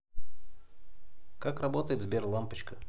как работает сбер лампочка